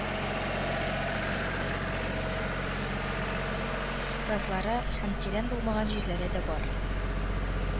Разлары һәм тирән булмаган җирләре дә бар